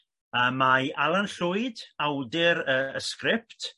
Yy mae Alan Llwyd awdur yr sgript